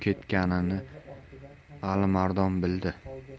ketganini alimardon bildi